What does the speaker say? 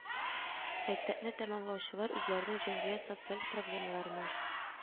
Мәктәпне тәмамлаучылар үзләренең җәмгыятьнең социаль проблемаларына